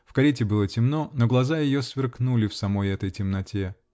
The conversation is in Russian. В карете было темно, но глаза ее сверкнули в самой этой темноте.